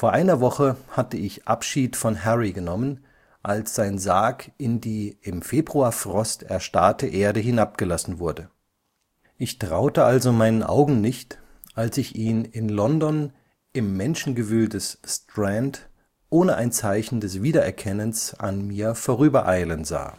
einer Woche hatte ich Abschied von Harry genommen, als sein Sarg in die im Februarfrost erstarrte Erde hinabgelassen wurde. Ich traute also meinen Augen nicht, als ich ihn in London im Menschengewühl des ‚ Strand ‘ohne ein Zeichen des Wiedererkennens an mir vorübereilen sah